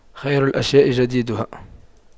خير الأشياء جديدها